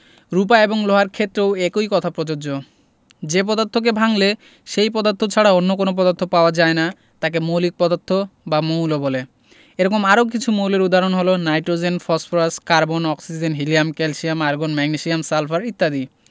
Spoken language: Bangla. রুপা এবং লোহার ক্ষেত্রেও একই কথা প্রযোজ্য যে পদার্থকে ভাঙলে সেই পদার্থ ছাড়া অন্য কোনো পদার্থ পাওয়া যায় না তাকে মৌলিক পদার্থ বা মৌল বলে এরকম আরও কিছু মৌলের উদাহরণ হলো nitrogen phosphorus carbon oxygen helium calcium argon magnesium sulphur ইত্যাদি